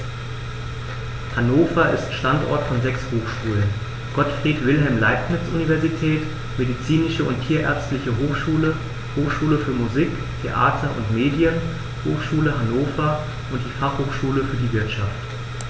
Hannover ist Standort von sechs Hochschulen: Gottfried Wilhelm Leibniz Universität, Medizinische und Tierärztliche Hochschule, Hochschule für Musik, Theater und Medien, Hochschule Hannover und die Fachhochschule für die Wirtschaft.